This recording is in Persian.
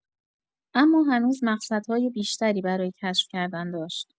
اما هنوز مقصدهای بیشتری برای کشف کردن داشت.